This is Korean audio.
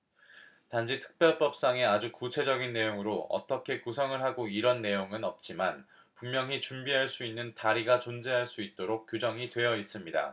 단지 특별법상에 아주 구체적인 내용으로 어떻게 구성을 하고 이런 내용은 없지만 분명히 준비할 수 있는 다리가 존재할 수 있도록 규정이 되어 있습니다